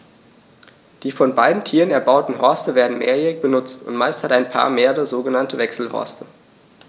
Die von beiden Tieren erbauten Horste werden mehrjährig benutzt, und meist hat ein Paar mehrere sogenannte Wechselhorste.